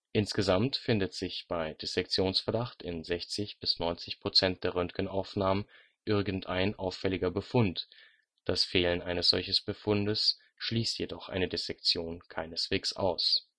Insgesamt findet sich bei Dissektionsverdacht in 60 – 90 % der Röntgenaufnahmen irgendein auffälliger Befund, das Fehlen eines solchen Befundes schließt jedoch eine Dissektion keineswegs aus